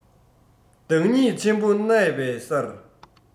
བདག ཉིད ཆེན པོ གནས པའི སར